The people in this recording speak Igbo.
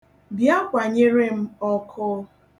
Bịa kwanyere m ọkụ.